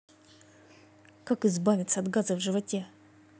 как избавиться от газа в животе